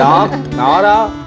đó nó đó